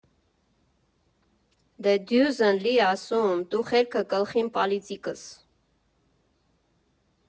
֊ Դե դյուզըն լի ասում, տու խելքը կլխին պալիծիկըս։